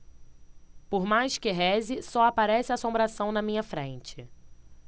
por mais que reze só aparece assombração na minha frente